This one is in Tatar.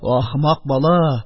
Ахмак бала